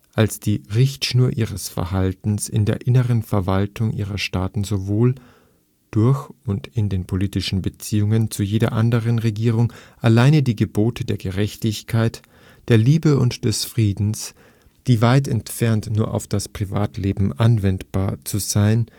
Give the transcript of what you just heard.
als die Richtschnur ihres Verhaltens in der inneren Verwaltung ihrer Staaten sowohl als durch in den politischen Beziehungen zu jeder anderen Regierung alleine die Gebote der Gerechtigkeit, der Liebe und des Friedens, die, weit entfernt, nur auf das Privatleben anwendbar zu sein